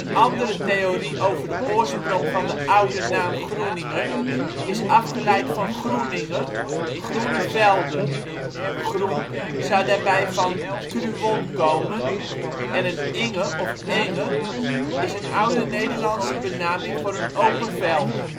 andere theorie over de oorsprong is dat de oude naam Groeningen is afgeleid van ' Groen-inge ';" groene velde (n) ".' groen ' zou daarbij van ' cruon ' komen en een inge (of enge) is een oude Nederlandse benaming voor een open veld